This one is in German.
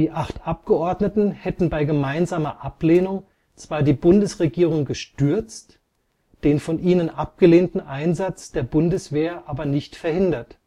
acht Abgeordneten hätten bei gemeinsamer Ablehnung zwar die Bundesregierung gestürzt, den von ihnen abgelehnten Einsatz der Bundeswehr aber nicht verhindert